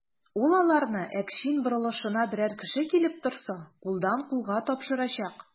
Ул аларны Әкчин борылышына берәр кеше килеп торса, кулдан-кулга тапшырачак.